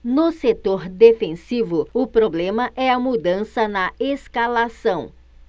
no setor defensivo o problema é a mudança na escalação